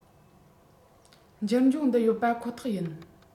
འགྱུར འབྱུང འདི ཡོད པ ཁོ ཐག ཡིན